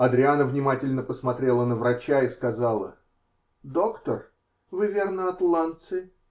Адриана внимательно посмотрела на врача и сказала: -- Доктор, вы, верно, от Ланци.